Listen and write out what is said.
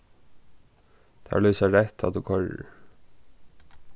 tær lýsa reytt tá tú koyrir